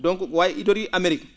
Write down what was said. donc ?ayde idorii Amérique